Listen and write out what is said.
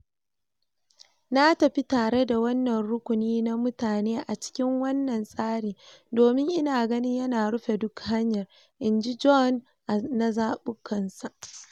"Na tafi tare da wannan rukuni na mutane a cikin wannan tsari domin ina ganin yana rufe duk hanyar," in ji Bjorn na zabukansa.